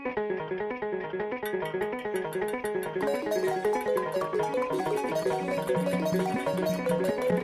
San